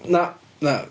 Na, na.